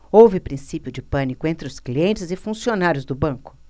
houve princípio de pânico entre os clientes e funcionários do banco